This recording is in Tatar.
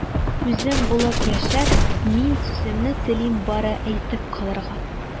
Үзем булып яшәп, мин сүземне телим бары әйтеп калырга...